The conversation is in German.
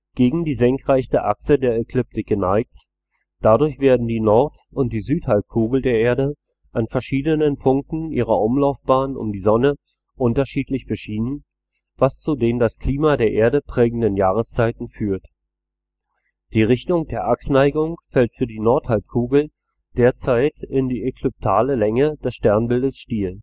gegen die senkrechte Achse der Ekliptik geneigt, dadurch werden die Nord - und die Südhalbkugel der Erde an verschiedenen Punkten ihrer Umlaufbahn um die Sonne unterschiedlich beschienen, was zu den das Klima der Erde prägenden Jahreszeiten führt. Die Richtung der Achsneigung fällt für die Nordhalbkugel derzeit in die ekliptikale Länge des Sternbilds Stier